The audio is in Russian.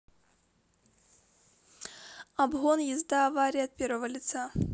обгон езда аварии от первого лица